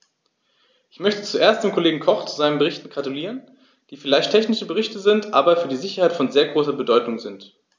Ich möchte zuerst dem Kollegen Koch zu seinen Berichten gratulieren, die vielleicht technische Berichte sind, aber für die Sicherheit von sehr großer Bedeutung sind.